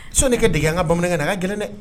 So ne ka dege an ka bamanankɛ n ka gɛlɛn dɛ